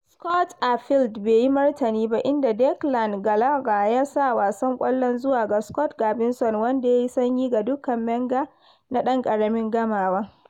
Scott Arfield bai yi martani ba inda Declan Gallagher ya sa ƙwallon zuwa ga Scott Robinson, wanda ya yi sanyi ga ɗaukan Menga na ɗan ƙaramin gamawa.